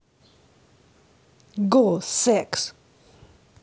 го секс